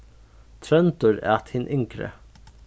tróndur æt hin yngri